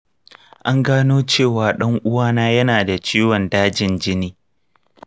an gano cewa ɗan’uwana yana da ciwon dajin jini.